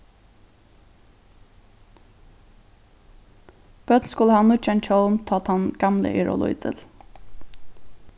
børn skulu hava nýggjan hjálm tá tann gamli er ov lítil